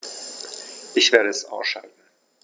Ich werde es ausschalten